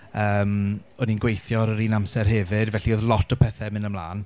yym o'n i'n gweithio ar yr un amser hefyd, felly oedd lot o pethe mynd ymlaen.